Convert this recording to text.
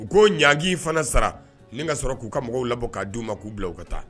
U ko ɲji fana sara ni ka sɔrɔ k'u ka mɔgɔw la bɔ k'a d u ma k'u bila u ka taa